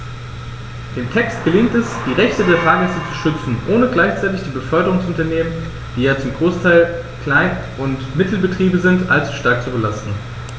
Dem Text gelingt es, die Rechte der Fahrgäste zu schützen, ohne gleichzeitig die Beförderungsunternehmen - die ja zum Großteil Klein- und Mittelbetriebe sind - allzu stark zu belasten.